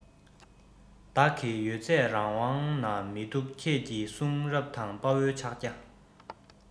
བདག གི ཡོད ཚད རང དབང ན མི འདུག ཁྱེད ཀྱི གསུང རབ དང དཔའ བོའི ཕྱག རྒྱ